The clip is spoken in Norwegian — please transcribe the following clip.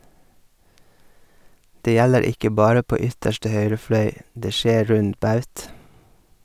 Det gjelder ikke bare på ytterste høyre fløy, det skjer rund baut.